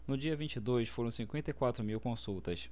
no dia vinte e dois foram cinquenta e quatro mil consultas